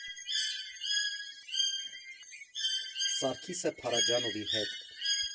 Սարգիսը Փարաջանովի հետ։